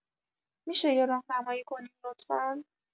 می‌شه یه راهنمایی کنین لطفا